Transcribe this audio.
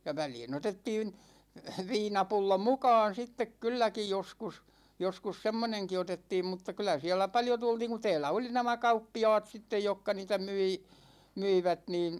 ja väliin otettiin viinapullo mukaan sitten kylläkin joskus joskus semmoinenkin otettiin mutta kyllä siellä paljon tultiin kun täällä oli nämä kauppiaat sitten jotka niitä myi myivät niin